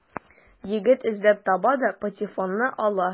Егет эзләп таба да патефонны ала.